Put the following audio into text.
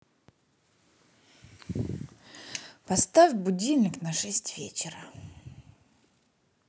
поставь будильник на шесть вечера